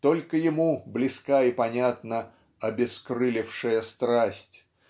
Только ему близка и понятна "обескрылевшая страсть"